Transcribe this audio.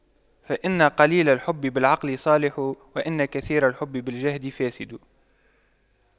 فإن قليل الحب بالعقل صالح وإن كثير الحب بالجهل فاسد